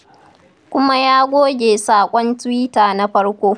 Kuma ya goge saƙon tuwita na farko.